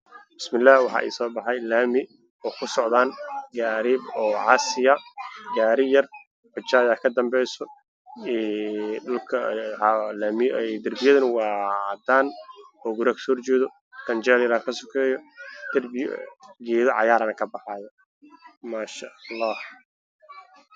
Waa laami waxaa maraayo gaariyaal laamiga agtiisa waxaa ku yaalo geedo dhaardheer